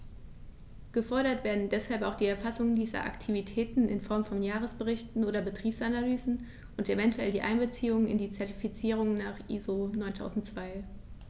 Gefordert werden deshalb auch die Erfassung dieser Aktivitäten in Form von Jahresberichten oder Betriebsanalysen und eventuell die Einbeziehung in die Zertifizierung nach ISO 9002.